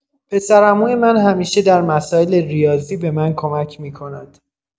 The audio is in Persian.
پسرعموی من همیشه در مسائل ریاضی به من کمک می‌کند.